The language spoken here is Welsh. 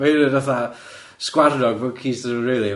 Ma' hynny'n fatha sgwarnog monkeys ydyn nw rili.